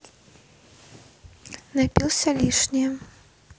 напился лишнее